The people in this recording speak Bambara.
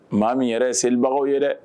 Maa min yɛrɛ ye selibagaw ye dɛ